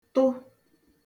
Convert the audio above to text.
tụ